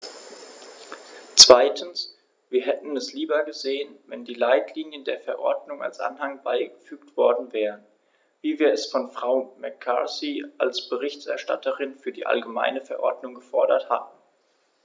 Zweitens: Wir hätten es lieber gesehen, wenn die Leitlinien der Verordnung als Anhang beigefügt worden wären, wie wir es von Frau McCarthy als Berichterstatterin für die allgemeine Verordnung gefordert hatten.